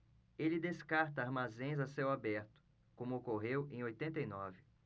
ele descarta armazéns a céu aberto como ocorreu em oitenta e nove